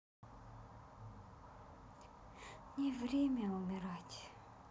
не время умирать